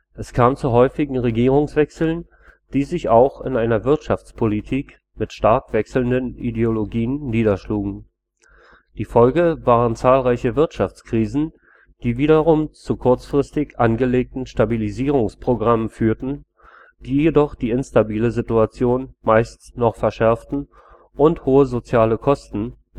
Es kam zu häufigen Regierungswechseln, die sich auch in einer Wirtschaftspolitik mit stark wechselnden Ideologien niederschlugen. Die Folge waren zahlreiche Wirtschaftskrisen, die wiederum zu kurzfristig angelegten Stabilisierungsprogrammen führten, die jedoch die instabile Situation meist noch verschärften und hohe soziale Kosten